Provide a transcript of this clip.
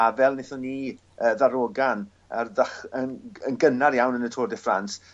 a fel nethon ni yy ddarogan ar ddech- yn yn gynnar iawn yn y Tour de France